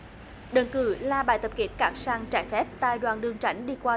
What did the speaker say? đơn cử là bãi tập kết cát sạn trái phép tại đoạn đường tránh đi qua